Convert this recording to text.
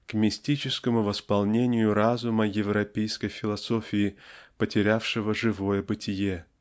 к мистическому восполнению разума европейской философии потерявшего живое бытие.